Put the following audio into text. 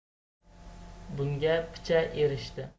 bunga picha erishdi